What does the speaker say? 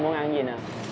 muốn ăn cái gì nào